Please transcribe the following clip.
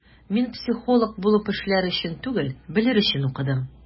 Мин психолог булып эшләр өчен түгел, белер өчен укыдым.